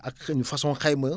ak xëy na façon xayma